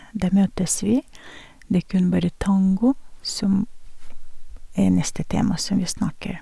Der møtes vi, det er kun bare tango som eneste tema som vi snakker.